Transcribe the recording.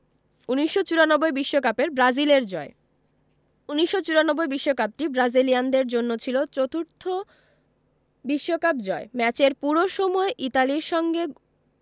১৯৯৪ বিশ্বকাপের ব্রাজিলের জয় ১৯৯৪ বিশ্বকাপটি ব্রাজিলিয়ানদের জন্য ছিল চতুর্থ বিশ্বকাপ জয় ম্যাচের পুরো সময় ইতালির সঙ্গে